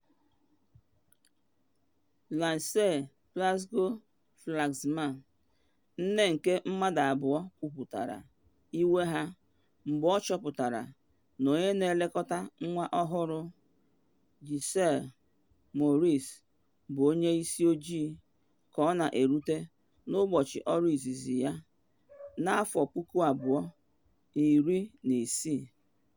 Lynsey Plasco-Flaxman, nne nke mmadụ abụọ, kwuputere iwe ya mgbe ọ chọpụtara na onye na elekọta nwa ọhụrụ, Giselle Maurice, bụ onye isi ojii ka ọ na erute n’ụbọchị ọrụ izizi ya na 2016.